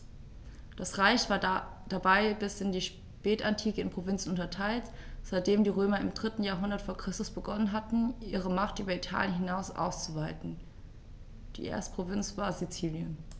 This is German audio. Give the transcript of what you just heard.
Das Reich war dabei bis in die Spätantike in Provinzen unterteilt, seitdem die Römer im 3. Jahrhundert vor Christus begonnen hatten, ihre Macht über Italien hinaus auszuweiten (die erste Provinz war Sizilien).